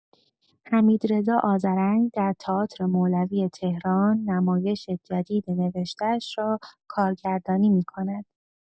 حمیدرضا آذرنگ در تئاتر مولوی تهران نمایش جدید نوشته‌اش را کارگردانی کرد.